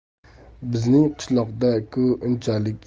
bizning qishloqda ku unchalik